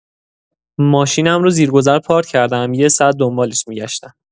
ماشینم رو زیر گذر پارک کردم، یه ساعت دنبالش می‌گشتم!